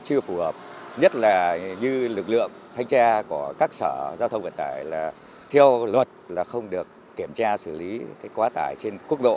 chưa phù hợp nhất là như lực lượng thanh tra của các sở giao thông vận tải là theo luật là không được kiểm tra xử lý cái quá tải trên quốc lộ